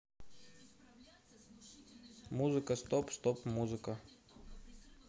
музыка стоп стоп музыка